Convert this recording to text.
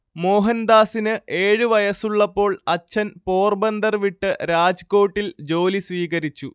മോഹൻദാസിന് ഏഴു വയസ്സുള്ളപ്പോൾ അച്ഛൻ പോർബന്ദർ വിട്ട് രാജ്കോട്ടിൽ ജോലി സ്വീകരിച്ചു